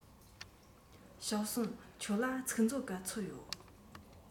ཞའོ སུའུ ཁྱོད ལ ཚིག མཛོད ག ཚོད ཡོད